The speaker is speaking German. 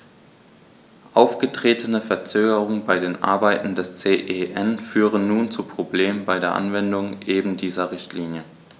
Aufgetretene Verzögerungen bei den Arbeiten des CEN führen nun zu Problemen bei der Anwendung eben dieser Richtlinie.